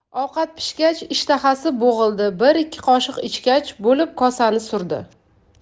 ovqat pishgach ishtahasi bo'g'ildi bir ikki qoshiq ichgan bo'lib kosani surdi